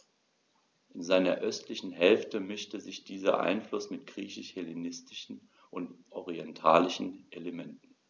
In seiner östlichen Hälfte mischte sich dieser Einfluss mit griechisch-hellenistischen und orientalischen Elementen.